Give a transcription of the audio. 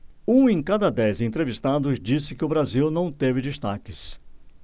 um em cada dez entrevistados disse que o brasil não teve destaques